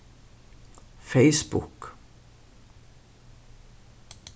facebook